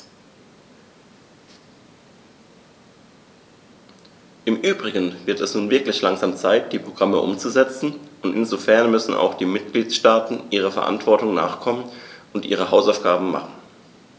Im übrigen wird es nun wirklich langsam Zeit, die Programme umzusetzen, und insofern müssen auch die Mitgliedstaaten ihrer Verantwortung nachkommen und ihre Hausaufgaben machen.